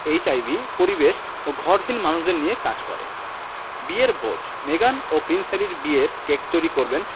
HIV পরিবেশ ও ঘরহীন মানুষদের নিয়ে কাজ করে বিয়ের ভোজ মেগান ও প্রিন্স হ্যারির বিয়ের কেক তৈরি করবেন